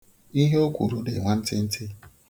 Ihe o kwuru dị nwantịntị.